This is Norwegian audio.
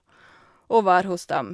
Og være hos dem.